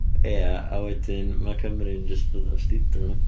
Ia, a wedyn ma' Cymru jyst yn stido nhw.